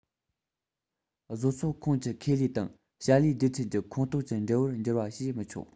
བཟོ ཚོགས ཁོངས ཀྱི ཁེ ལས དང བྱ ལས སྡེ ཚན གྱི ཁོངས གཏོགས ཀྱི འབྲེལ བར འགྱུར བ བྱས མི ཆོག